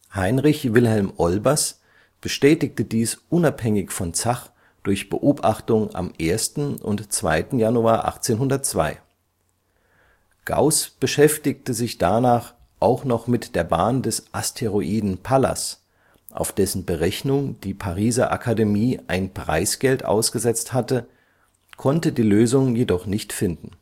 Heinrich Wilhelm Olbers bestätigte dies unabhängig von Zach durch Beobachtung am 1. und 2. Januar 1802. Gauß beschäftigte sich danach auch noch mit der Bahn des Asteroiden Pallas, auf dessen Berechnung die Pariser Akademie ein Preisgeld ausgesetzt hatte, konnte die Lösung jedoch nicht finden